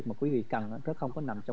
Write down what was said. một quý vị cần nó không có nằm